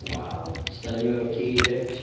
Waw... Achos dan ni ddim efo ci rich?